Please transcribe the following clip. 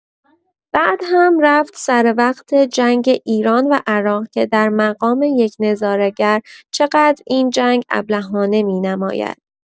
بعد هم رفت سر وقت جنگ ایران و عراق که در مقام یک نظاره‌گر چقدر این جنگ ابلهانه می‌نماید.